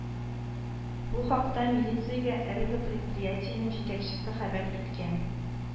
Бу хакта милициягә әлеге предприятиенең җитәкчесе хәбәр иткән